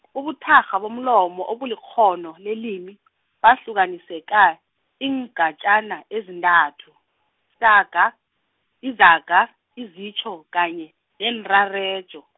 ubuthakgha bomlomo obulikghono lelimi, buhlukaniseka, iingatjana ezintathu, isaga, izaga, izitjho, kanye, neenrarejo.